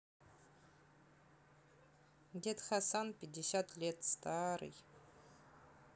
дед хасан пятьдесят лет старый